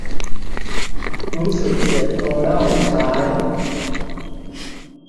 รู้สึกเจ็บตรงหน้าอกซ้าย